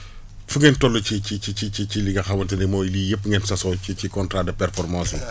fu ngeen toll ci ci ci ci ci li nga xamamante ne mooy yii yëpp ngeen sasoo ci contrat de performance yi